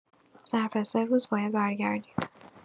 ظرف سه روز باید برگردید.